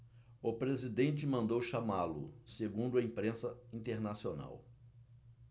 o presidente mandou chamá-lo segundo a imprensa internacional